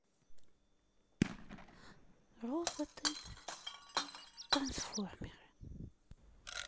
роботы трансформеры